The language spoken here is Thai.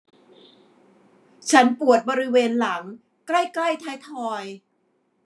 ฉันปวดบริเวณหลังใกล้ใกล้ท้ายทอย